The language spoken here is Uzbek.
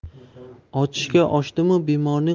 ochishga ochdimu bemorning